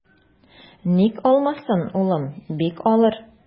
Ник алмасын, улым, бик алыр.